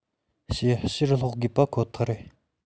བཤད ཕྱིར སློག དགོས པ ཁོ ཐག རེད